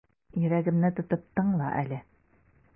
Йөрәгемне тотып тыңла әле.